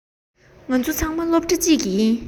ང ཚོ ཚང མ སློབ གྲྭ གཅིག གི རེད